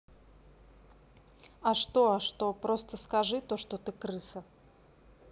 а что а что просто скажи то что ты крыса